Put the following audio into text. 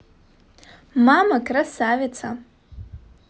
мама красавица